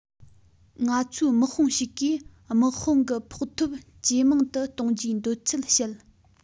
ང ཚོའི དམག དཔོན ཞིག གིས དམག དཔུང གི ཕོགས ཐོབ ཇེ མང དུ གཏོང རྒྱུའི འདོད ཚུལ བཤད